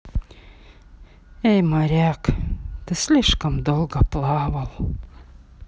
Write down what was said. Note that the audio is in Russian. эй моряк ты слишком долго плавал